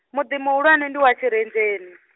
muḓi muhulwane ndi wa Tshirenzheni.